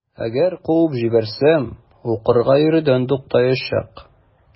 Әгәр куып җибәрсәм, укырга йөрүдән туктаячак.